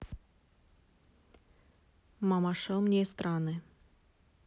мама шел мне страны